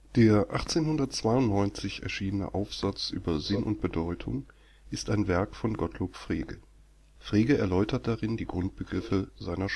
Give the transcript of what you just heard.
Der 1892 erschienene Aufsatz Über Sinn und Bedeutung ist ein Werk von Gottlob Frege. Frege erläutert darin die Grundbegriffe seiner